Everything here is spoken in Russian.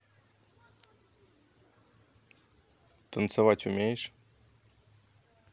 танцевать умеешь